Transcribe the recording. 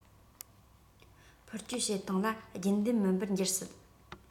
འཕུར སྐྱོད བྱེད སྟངས ལ རྒྱུན ལྡན མིན པར འགྱུར སྲིད